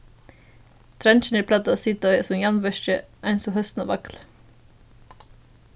dreingirnir plagdu at sita á hesum jarnverki eins og høsn á vagli